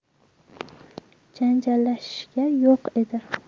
janjallashishga yo'q edi